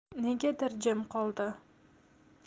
negadir jimib qoldi